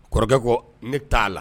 Kɔrɔkɛ ko ne t'a la